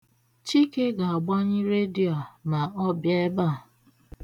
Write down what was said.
Chike ga-agbanyụ redio a ma ọ bịa ebe a.